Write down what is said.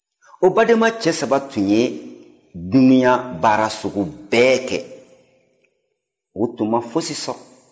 o badenma cɛ saba tun ye dunuya baara sugu bɛɛ kɛ u tun ma fosi sɔrɔ